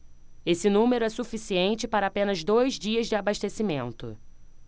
esse número é suficiente para apenas dois dias de abastecimento